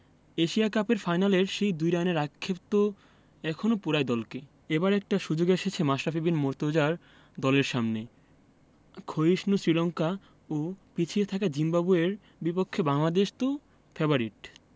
Asia কাপের ফাইনালের সেই ২ রানের আক্ষেপ তো এখনো পোড়ায় দলকে এবার একটা সুযোগ এসেছে মাশরাফি বিন মুর্তজার দলের সামনে ক্ষয়িষ্ণু শ্রীলঙ্কা ও পিছিয়ে থাকা জিম্বাবুয়ের বিপক্ষে বাংলাদেশকে তো ফেবারিট